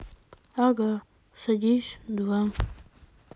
ага садись два